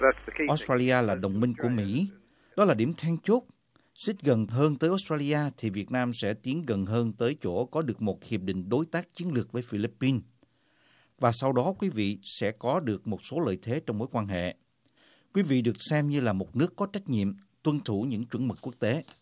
ốt tra li a là đồng minh của mỹ đó là điểm then chốt xích gần hơn tới ót tra li a thì việt nam sẽ tiến gần hơn tới chỗ có được một hiệp định đối tác chiến lược với phi líp pin và sau đó quý vị sẽ có được một số lợi thế trong mối quan hệ quý vị được xem như là một nước có trách nhiệm tuân thủ những chuẩn mực quốc tế